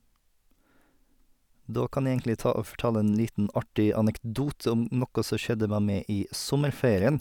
Da kan jeg egentlig ta og fortelle en liten, artig anekdote om noe som skjedde med meg i sommerferien.